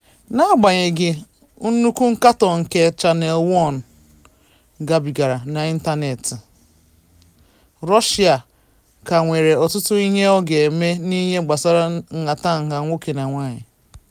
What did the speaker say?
N'agbanyeghị nnukwu nkatọ nke Channel One gabịgara n'ịntaneetị, Russia ka nwere ọtụtụ ihe ọ ga-eme n'ihe gbasara nhatanha nwoke na nwaanyị.